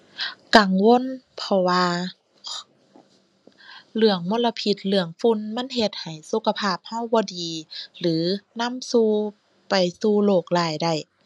กังวล เพราะว่าเรื่องมลพิษ เรื่องฝุ่นมันเฮ็ดให้สุขภาพเราบ่ดี หรือนำสู่ ไปสู่โรคร้ายได้